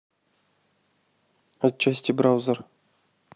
отчасти браузер